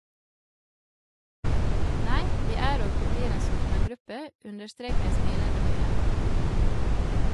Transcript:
- Nei, vi er og forblir en Sortland-gruppe, understreker en smilende Høyem.